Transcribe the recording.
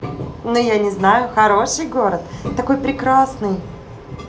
ну я не знаю хороший город такой прекрасный